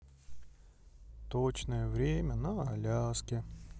точное время на аляске